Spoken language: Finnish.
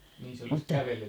mutta